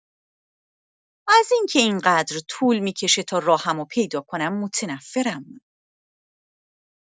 از اینکه این‌قدر طول می‌کشه تا راهم رو پیدا کنم، متنفرم.